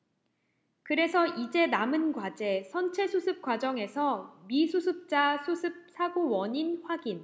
그래서 이제 남은 과제 선체 수습 과정에서 미수습자 수습 사고원인 확인